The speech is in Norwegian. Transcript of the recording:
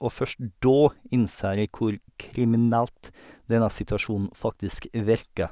Og først da innser jeg hvor kriminelt denne situasjonen faktisk virker.